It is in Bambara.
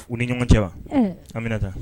U ni ɲcɛ wa an bɛna taa